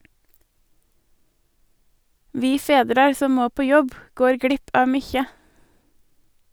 Vi fedrar som må på jobb går glipp av mykje.